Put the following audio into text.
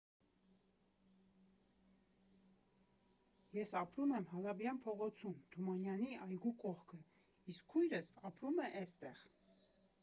Ես ապրում եմ Հալաբյան փողոցում՝ Թումանյանի այգու կողքը, իսկ քույրս ապրում է էստեղ։